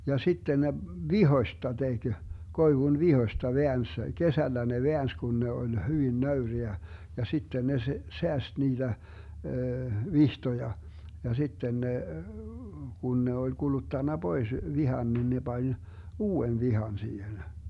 ja sitten ne vitsoista teki koivun vitsoista väänsi kesällä ne väänsi kun ne oli hyvin nöyriä ja sitten ne - säästi niitä vitsoja ja sitten ne kun ne oli kuluttanut pois vitsan niin ne pani uuden vitsan siihen